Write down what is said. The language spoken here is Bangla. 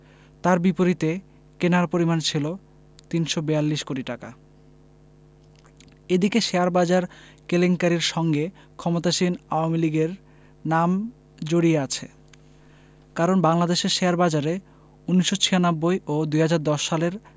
তার বিপরীতে কেনার পরিমাণ ছিল ৩৪২ কোটি টাকা এদিকে শেয়ারবাজার কেলেঙ্কারির সঙ্গে ক্ষমতাসীন আওয়ামী লীগের নাম জড়িয়ে আছে কারণ বাংলাদেশের শেয়ারবাজারে ১৯৯৬ ও ২০১০ সালের